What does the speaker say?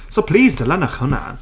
So plis dilynwch hwnna!